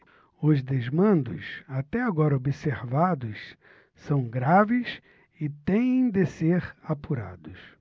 os desmandos até agora observados são graves e têm de ser apurados